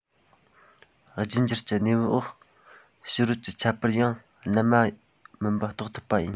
རྒྱུད འགྱུར གྱི གནས བབ འོག ཕྱི རོལ གྱི ཁྱད པར ཡང རྣལ མ མིན པ རྟོགས ཐུབ པ ཡིན